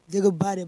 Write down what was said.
Jelikɛ baara de